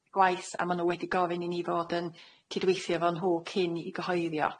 Gwaith, a ma' nw wedi gofyn i ni fod yn cydweithio 'fo nhw cyn 'i gyhoeddi o.